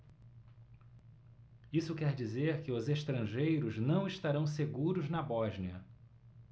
isso quer dizer que os estrangeiros não estarão seguros na bósnia